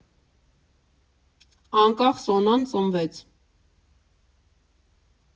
Անկախ Սոնան ծնվեց։